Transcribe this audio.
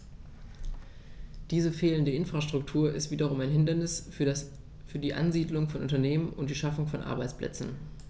Diese fehlende Infrastruktur ist wiederum ein Hindernis für die Ansiedlung von Unternehmen und die Schaffung von Arbeitsplätzen.